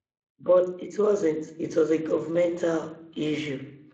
But it wasn't, it was a governmental issue.